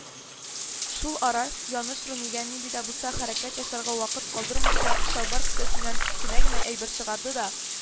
Шул ара, Яныш, Румиягә нинди дә булса хәрәкәт ясарга вакыт калдырмыйча, чалбар кесәсенән кечкенә генә әйбер чыгарды да